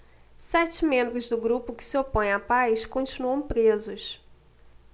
sete membros do grupo que se opõe à paz continuam presos